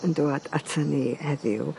yn dwad atan ni heddiw